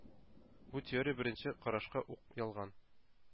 Бу теория беренче карашка ук ялган.